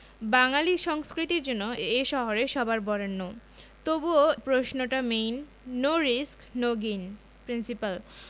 বাঙালী সংস্কৃতির জন্য এ শহরে সবার বরেণ্য তবুও প্রশ্নটা main no risk no gain principal